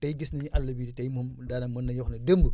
tey gis nañu ne àll bi tey moom daanaka mën nañu wax ne démb